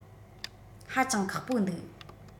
ཧ ཅང ཁག པོ འདུག